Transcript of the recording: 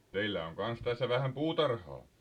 teillä on kanssa tässä vähän puutarhaa